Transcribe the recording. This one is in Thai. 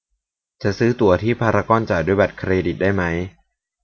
จะซื้อตั๋วที่พารากอนจ่ายด้วยบัตรเครดิตได้ม้้ย